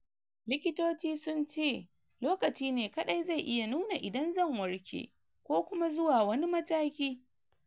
Likitoci sunce lokaci ne kadai zai iya nuna idan zan warke ko kuma zuwa wane mataki.